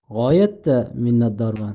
g'oyatda minatdorman